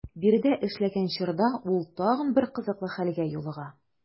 Биредә эшләгән чорда ул тагын бер кызыклы хәлгә юлыга.